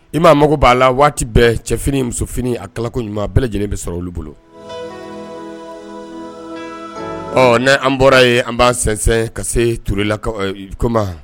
I maa mago b'a la waati bɛɛ cɛ fini muso fini a kalako ɲuman bɛɛ lajɛlen bɛ sɔrɔ olu bolo ɔ ne an bɔra yen an b'a sɛnsɛn ka se Turelakaw comment